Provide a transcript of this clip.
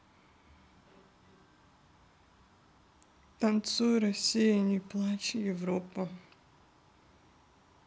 танцуй россия не плачь европа